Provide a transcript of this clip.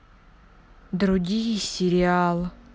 другие сериал